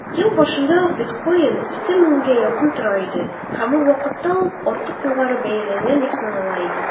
Ел башында ук биткоин 2 меңгә якын тора иде һәм ул вакытта ук артык югары бәяләнгән дип санала иде.